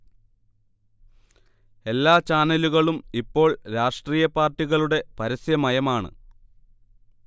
എല്ലാ ചാനലുകളും ഇപ്പോൾ രാഷ്ട്രീയ പാർട്ടികളുടെ പരസ്യ മയമാണ്